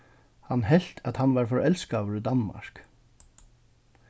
hann helt at hann var forelskaður í danmark